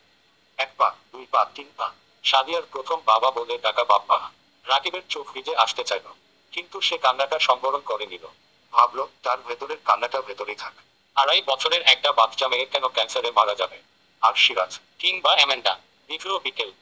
এক পা দুই পা তিন পা সাদিয়ার প্রথম বাবা বলে ডাকা বাব্বা আ রাকিবের চোখ ভিজে আসতে চাইল কিন্তু সে কান্নাটা সংবরণ করে নিল ভাবল তার ভেতরের কান্নাটা ভেতরেই থাক আড়াই বছরের একটা বাচ্চামেয়ে কেন ক্যানসারে মারা যাবে আর সিরাজ কিংবা এমেন্ডা দিঘল বিকেল